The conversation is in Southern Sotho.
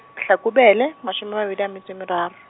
Hlakubele, mashome a mabedi a metso e meraro.